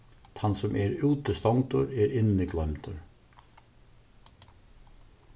tann sum er úti stongdur er inni gloymdur